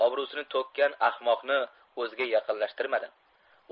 obro'sini to'kkan ahmoqni o'ziga yaqinlashtirmadi